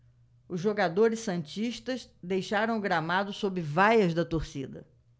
os jogadores santistas deixaram o gramado sob vaias da torcida